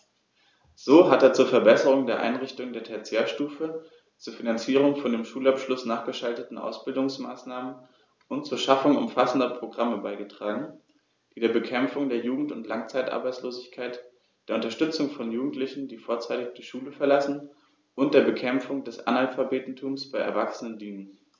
So hat er zur Verbesserung der Einrichtungen der Tertiärstufe, zur Finanzierung von dem Schulabschluß nachgeschalteten Ausbildungsmaßnahmen und zur Schaffung umfassender Programme beigetragen, die der Bekämpfung der Jugend- und Langzeitarbeitslosigkeit, der Unterstützung von Jugendlichen, die vorzeitig die Schule verlassen, und der Bekämpfung des Analphabetentums bei Erwachsenen dienen.